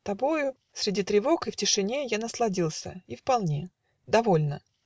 Тобою, Среди тревог и в тишине, Я насладился. и вполне; Довольно!